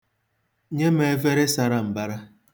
Nye m efere sara mbara.